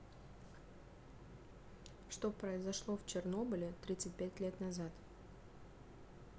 что произошло в чернобыле тридцать пять лет назад